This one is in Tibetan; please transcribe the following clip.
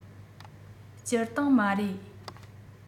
སྤྱིར བཏང མ རེད